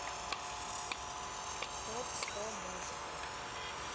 топ сто музыка